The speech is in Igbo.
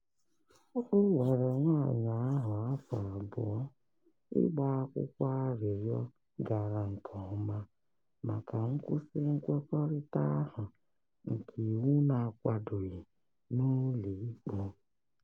O were nwaanyị ahụ afọ abụọ ịgba akwụkwọ arịrịọ gara nke ọma maka nkwụsị nkwekọrịta ahụ nke iwu na-akwadoghị n'ụlọ ikpe.